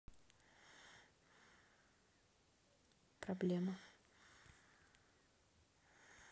проблема